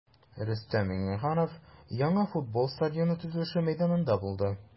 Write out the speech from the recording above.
Рөстәм Миңнеханов яңа футбол стадионы төзелеше мәйданында булды.